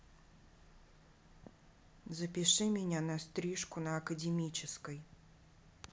запиши меня на стрижку на академической